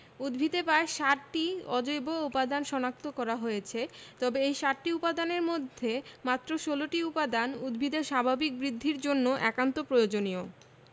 উদ্ভিদে প্রায় ৬০টি অজৈব উপাদান শনাক্ত করা হয়েছে তবে এই ৬০টি উপাদানের মধ্যে মাত্র ১৬টি উপাদান উদ্ভিদের স্বাভাবিক বৃদ্ধির জন্য একান্ত প্রয়োজনীয়